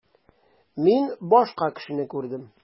Мин башка кешене күрдем.